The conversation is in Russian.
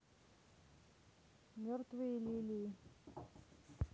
мертвые лилии